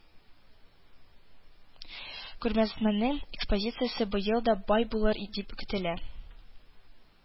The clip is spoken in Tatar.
Күргәзмәнең экспозициясе быел да бай булыр дип көтелә